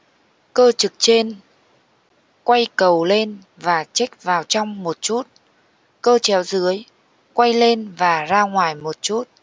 cơ trực trên quay cầu lên và chếch vào trong một chút cơ chéo dưới quay lên và ra ngoài một chút